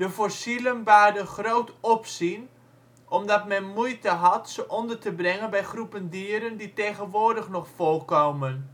fossielen baarden groot opzien omdat men moeite had ze onder te brengen bij groepen dieren die tegenwoordig nog voorkomen